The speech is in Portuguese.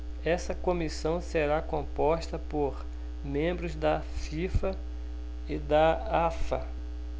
essa comissão será composta por membros da fifa e da afa